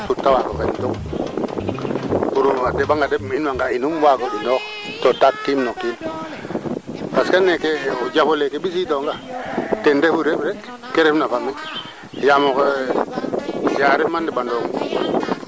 merci beaucoup o ndeeta ngaan aussi faley fee i leyaa ina nan giloox kan a bala i muuka koy kaa i ndalfoxo kay coxoong bo ndiik rek o ley manaam ke ando naye ten refu probleme no ndiing ke ando naye tenu soxla a no ndiing to pour nu ndaawin ka jafeña lool